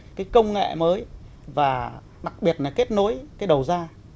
cái công nghệ mới và đặc biệt là kết nối cái đầu ra